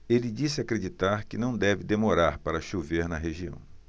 ele disse acreditar que não deve demorar para chover na região